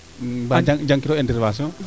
mba jang kiro intervention